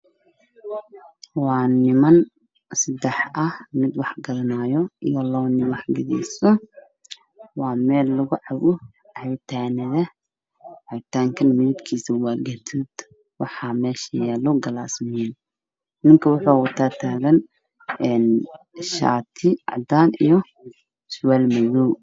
Waa niman seddex ah nin wax gadanaayo iyo labo nin oo wax gadayso waa meel lugu cabo cabitaanada gaduudan waxaa meesha yaalo galaasman, ninka taagan waxuu wataa shaati cadaan ah iyo surwaal madow ah.